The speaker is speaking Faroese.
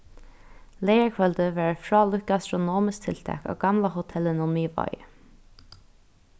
leygarkvøldið var eitt frálíkt gastronomiskt tiltak á gamla hotellinum miðvági